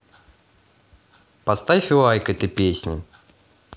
поставь лайк этой песне